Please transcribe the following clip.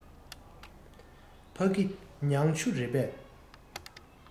ཕ གི མྱང ཆུ རེད པས